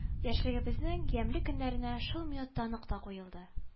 Яшьлегебезнең ямьле көннәренә шул минутта нокта куелды